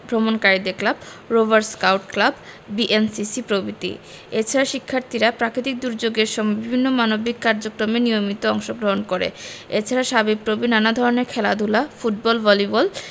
ভ্রমণকারীদের club rover scout club BNCC প্রভৃতি এছাড়া শিক্ষার্থীরা প্রাকৃতিক দূর্যোগের সময় বিভিন্ন মানবিক কার্যক্রমে নিয়মিত অংশগ্রহণ করে এছাড়া সাবিপ্রবি নানা ধরনের খেলাধুলা ফুটবল ভলিবল